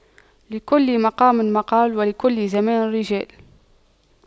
لكل مقام مقال ولكل زمان رجال